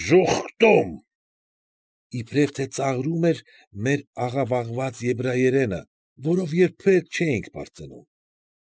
Զուխտո՜ւմ։ Իբր թե ծաղրում էր մեր աղավաղված եբրայերենը, որով երբեք չէինք պարծենում։